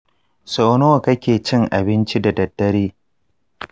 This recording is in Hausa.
sau nawa kake cin abinci da daddare?